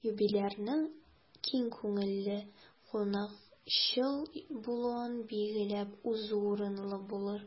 Юбилярның киң күңелле, кунакчыл булуын билгеләп узу урынлы булыр.